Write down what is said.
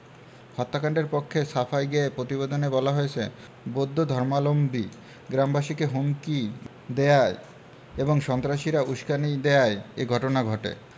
হত্যাকাণ্ডের পক্ষে সাফাই গেয়ে প্রতিবেদনে বলা হয়েছে বৌদ্ধ ধর্মালম্বী গ্রামবাসীকে হুমকি দেওয়ায় এবং সন্ত্রাসীরা উসকানি দেওয়ায় এ ঘটনা ঘটে